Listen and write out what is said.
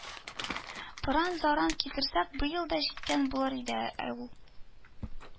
Пыран-заран китерсәк, быел да җиткән булыр иде лә ул